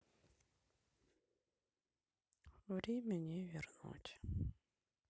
время не вернуть